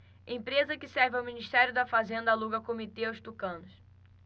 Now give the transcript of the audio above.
empresa que serve ao ministério da fazenda aluga comitê aos tucanos